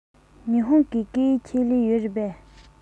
ཉི ཧོང གི སྐད ཡིག ཆེད ལས ཡོད རེད པས